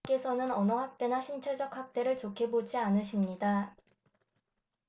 분명히 여호와께서는 언어 학대나 신체적 학대를 좋게 보지 않으십니다